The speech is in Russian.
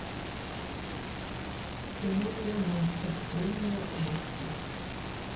кино девяностых премия оскар